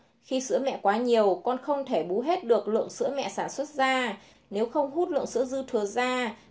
khi sữa mẹ quá nhiều con sẽ không thể bú hết được lượng sữa mẹ sản xuất ra nếu không hút lượng sữa dư thừa ra